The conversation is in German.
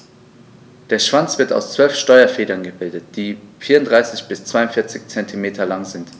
Der Schwanz wird aus 12 Steuerfedern gebildet, die 34 bis 42 cm lang sind.